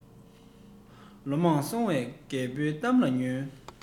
ལོ མང སོང བའི རྒད པོའི གཏམ ལ ཉོན